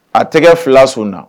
A tɛgɛ 2 sun na.